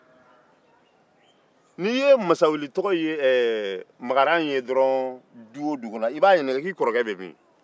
n'i ye makaran ye du o du kɔnɔ i b'a ɲininka k'i kɔrɔkɛ bɛ min